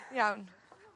Iawn.